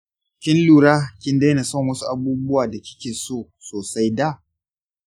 kin lura kin daina son wasu abubuwa da kike so sosai da?